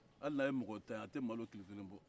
hali n'a ye mɔgɔ tan ye a tɛ malo kilokelen bɔ